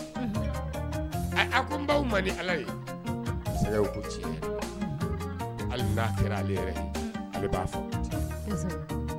Unhun. Ɛ; a ko n b'aw ma ni ala ye, ko tiɲɛ, hali n'a kɛra ale yɛrɛ ye, ale b'a